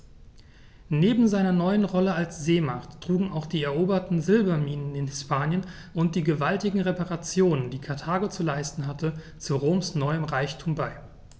Neben seiner neuen Rolle als Seemacht trugen auch die eroberten Silberminen in Hispanien und die gewaltigen Reparationen, die Karthago zu leisten hatte, zu Roms neuem Reichtum bei.